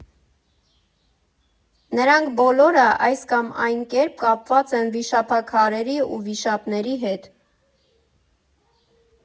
Նրանք բոլորը այս կամ այն կերպ կապված են վիշապաքարերի ու վիշապների հետ։